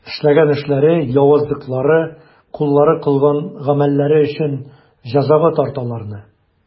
Эшләгән эшләре, явызлыклары, куллары кылган гамәлләре өчен җәзага тарт аларны.